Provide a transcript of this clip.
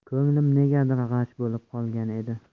ko'nglim negadir g'ash bo'lib qolgan edi